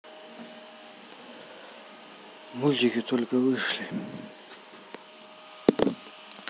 мультики только вышли